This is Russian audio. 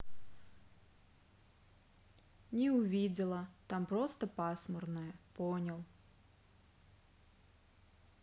не увидела там просто пасмурная понял